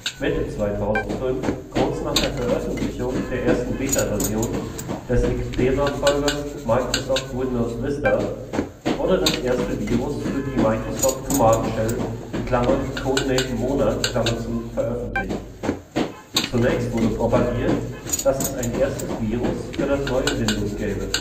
Mitte 2005, kurz nach der Veröffentlichung der ersten Beta-Version des XP-Nachfolgers Microsoft Windows Vista, wurde das erste Virus für die Microsoft Command Shell (Codename Monad) veröffentlicht. Zunächst wurde propagiert, dass es ein erstes Virus für das neue Windows gäbe